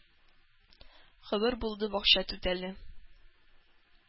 Кабер булды бакча түтәле,